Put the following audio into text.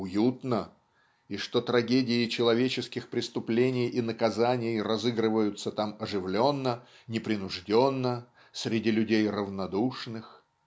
уютно" и что трагедии человеческих преступлений и наказаний разыгрываются там оживленно непринужденно среди людей равнодушных.